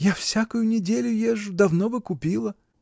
Я всякую неделю езжу: давно бы купила.